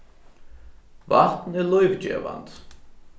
vatn er lívgevandi